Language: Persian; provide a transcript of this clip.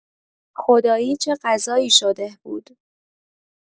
خدایی چه غذایی شده بود.